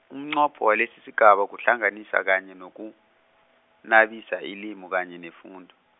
umnqopho walesisigaba kuhlanganisa kanye nokunabisa, ilimi kanye nefundo.